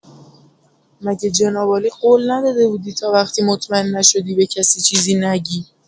مگه جنابعالی قول نداده بودی تا وقتی مطمئن نشدی به کسی چیزی نگی؟